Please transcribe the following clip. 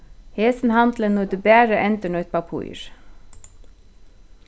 hesin handilin nýtir bara endurnýtt pappír